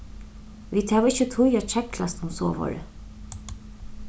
vit hava ikki tíð at keglast um sovorðið